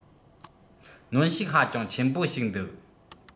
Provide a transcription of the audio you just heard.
གནོན ཤུགས ཧ ཅང ཆེན པོ ཞིག འདུག